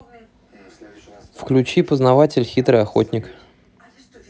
включи познаватель хитрый охотник